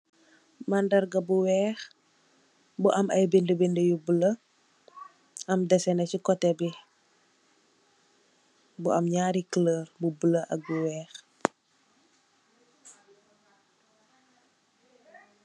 mandarrga bu weih bu am i bindi, bindi yu buloo am desseh na sey koteh bi bu am nyarri kulorr bu buloo ak bu weih.